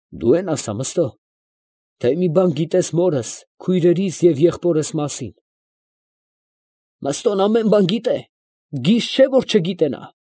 Դու էն ասա՛, Մըստո, թե մի բան գիտես մորս, քույրերիս և եղբորս մասին։ ֊ Մըստոն ամեն բան գիտե. գիժ չէ՞, որ չգիտենա։